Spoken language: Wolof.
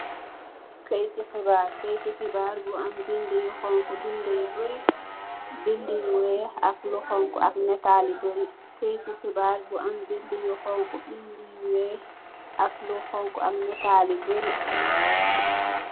Keuyiti xibaar bu am bindi yu honku, bindi yu weeh, ak lu honku, am nitaal yu beuri.